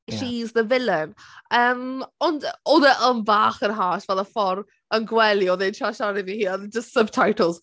She's the villain. Yym, ond oedd e yn bach yn harsh, fel y ffordd, yn gwely oedd e'n trio siarad iddi hi, ac oedd jyst subtitles...